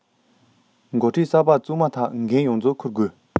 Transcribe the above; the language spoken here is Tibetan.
འགོ ཁྲིད གསར པ བཙུགས མ ཐག འགན ཡོངས རྫོགས འཁུར དགོས